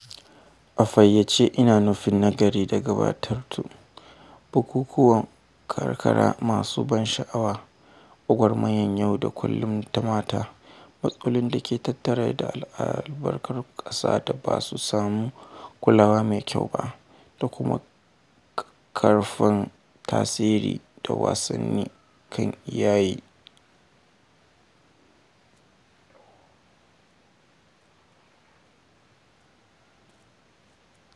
A fayyace, ina nufin nagari da gurɓatattu: bukukuwan karkara masu ban sha'awa, gwagwarmayar yau da kullum ta mata, matsalolin da ke tattare da albarkatun ƙasa da basu samu kulawa mai kyau ba, da kuma ƙaƙƙarfan tasirin da wasanni kan iya yi..